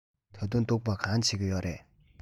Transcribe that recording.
ད དུང སྡུག པ གང བྱེད ཀྱི ཡོད རས